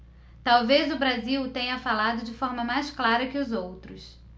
talvez o brasil tenha falado de forma mais clara que os outros